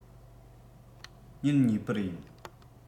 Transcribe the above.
ཉིན གཉིས པར ཡིན